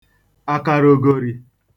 àkàrògòrì